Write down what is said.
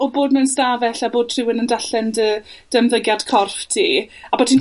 o bod mewn stafell a bod rhywun yn darllen dy dy ymddygiad corff ti, a a bo' ti'n...